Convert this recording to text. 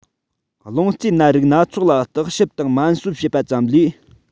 རླུང རྩའི ནད རིགས སྣ ཚོགས ལ བརྟག ཞིབ དང སྨན གསོ བྱེད པ ཙམ ལས